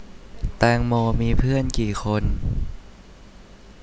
แตงโมมีเพื่อนกี่คน